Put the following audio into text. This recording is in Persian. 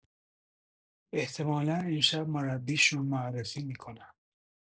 احتمالا امشب مربیشون معرفی می‌کنن